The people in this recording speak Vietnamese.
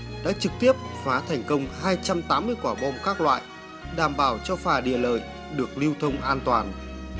đã trực tiếp phá thành công hai trăm tám mươi quả bom các loại đảm bảo cho phà địa lợi được lưu thông an toàn